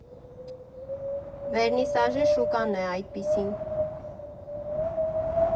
Վերնիսաժի շուկան է այդպիսին։